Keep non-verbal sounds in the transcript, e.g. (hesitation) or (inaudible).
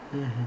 (hesitation) (hesitation)